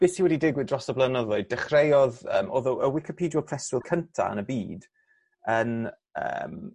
be' sy wedi digwydd dros y blynyddoedd dechreuodd yym o'dd o y wicipediwr preswyl cynta yn y byd yn yym